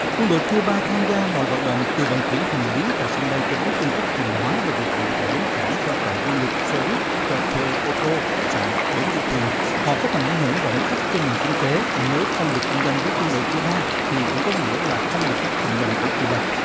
quân đội cu ba tham gia mọi hoạt động từ vận chuyển hành lý tại sân bay chở nước cung cấp hàng hóa và dịch vụ tại bến cảng cho tàu du lịch xe buýt cho thuê ô tô khách sạn bến du thuyền họ có tầm ảnh hưởng rộng khắp trên nền kinh tế nếu không được kinh doanh với quân đội cu ba thì cũng có nghĩa là không được phép kinh doanh với cu ba